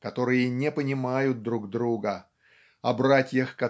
которые не понимают друг друга о братьях